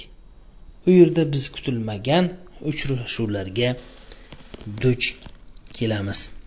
u yerda biz kutilmagan uchrashuvlarga duch kelamiz